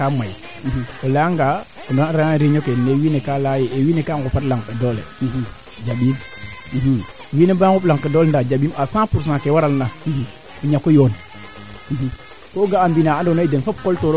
ndeysaan d' accord leyna le choix de la parcelle manaam o qole ando naye ten waro waago xot nam waru waago ref a qembana le ando naye ten wo fa qooxof nam damoyee a qembana laaga waro waago xemba niin bata waago cooxong kee bugoona